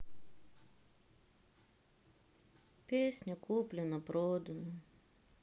песня куплено продано